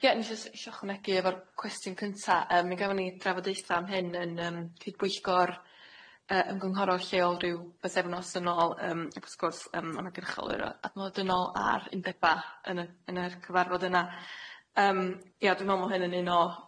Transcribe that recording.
Ie neshe s- isio ychwanegu efo'r cwestiwn cynta yym mi gafon ni drafodaetha am hyn yn yym cydbwyllgor yy ymgynghorol lleol ryw bythefnos yn ôl yym ac wrth gwrs yym ma' ma' gynhyrcholwyr o adnodd yn ôl ar undeba yn y yn yr cyfarfod yna yym ie dwi me'wl ma' hyn yn un o